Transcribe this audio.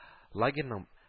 Лагерьнең